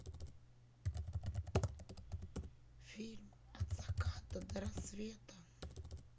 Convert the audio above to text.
фильм от заката до рассвета